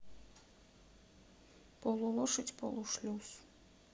полулошадь полушлюз